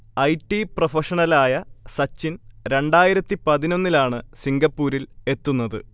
I. T പ്രൊഫഷണലായ സച്ചിൻ രണ്ടായിരത്തി പതിനൊന്നിലാണ് സിംഗപ്പൂരിൽ എത്തുന്നത്